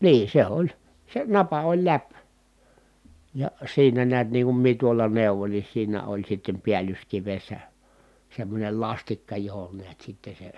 niin se oli se napa oli läpi ja siinä näet niin kuin minä tuolla neuvoin niin siinä oli sitten päällyskivessä semmoinen lastikka johon näet sitten se